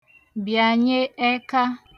bị̀ànye ẹka